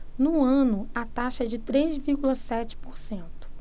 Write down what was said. no ano a taxa é de três vírgula sete por cento